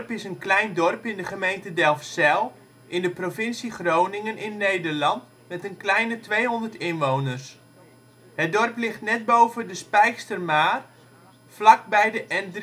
is een klein dorp in de gemeente Delfzijl in de provincie Groningen in Nederland met een kleine 200 inwoners. Het dorp ligt net boven de Spijkstermaar, vlak bij de N33. Een